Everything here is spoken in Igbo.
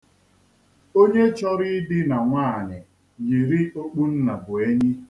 Onye chọrọ idina nwaanyị yiri okpunnabụenyi.